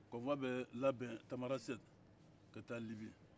taalijɛkulu bɛ labɛn tamarasɛti ka taa libi